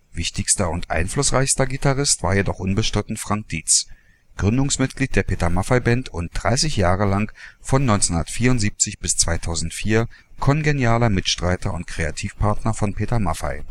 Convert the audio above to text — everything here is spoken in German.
Wichtigster und einflussreichster Gitarrist war jedoch unbestritten Frank Diez, Gründungsmitglied der Peter Maffay Band und 30 Jahre lang von 1974 bis 2004 kongenialer Mitstreiter und Kreativpartner von Peter Maffay